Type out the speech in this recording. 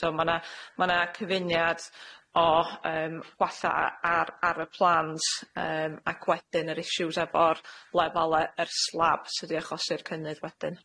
So ma' 'na ma' 'na cyfuniad o yym gwalla' a- ar ar y plans, yym ac wedyn yr issues efo'r lefele yr slab sydd 'di achosi'r cynnydd wedyn.